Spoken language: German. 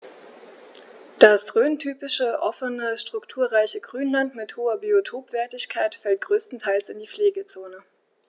Das rhöntypische offene, strukturreiche Grünland mit hoher Biotopwertigkeit fällt größtenteils in die Pflegezone.